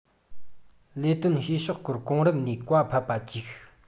ལས དོན བྱེད ཕྱོགས སྐོར གོང རིམ ནས བཀའ ཕབ པ ལྟར གྱིས ཤིག